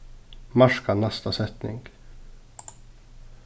marka næsta setning